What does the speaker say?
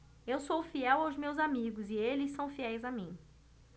eu sou fiel aos meus amigos e eles são fiéis a mim